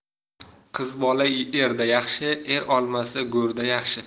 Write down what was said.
qiz bola erda yaxshi er olmasa go'rda yaxshi